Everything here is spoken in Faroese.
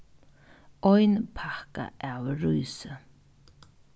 ein pakka av rísi